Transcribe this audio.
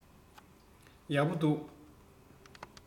ཡག པོ འདུག